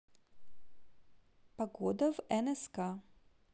погода в нск